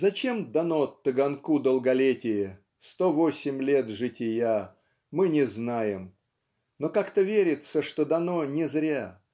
Зачем дано Таганку долголетие, сто восемь лет жития, мы не знаем но как-то верится что дано не зря